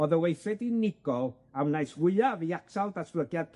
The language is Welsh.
o'dd yn weithred unigol a wnaeth fwyaf i atal datblygiad